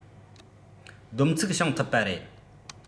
བསྡོམས ཚིག བྱུང ཐུབ པ རེད